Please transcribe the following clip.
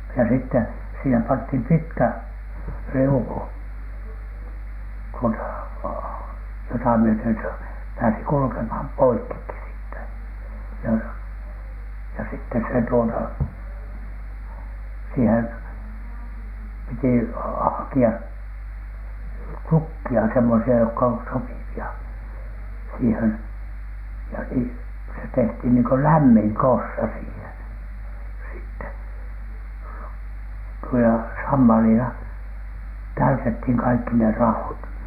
ja sitten siihen pantiin pitkä riuku tuota jota myöten se pääsi kulkemaan poikki siitä ja ja sitten se tuota siihen piti hakea tukkeja semmoisia jotka on sopivia siihen ja - se tehtiin niin kuin lämmin kossa siihen sitten - ja sammalilla täytettiin kaikki ne raot